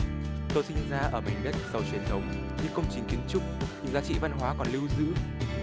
tôi sinh ra ở mảnh đất giàu truyền thống những công trình kiến trúc những giá trị văn hóa còn lưu giữ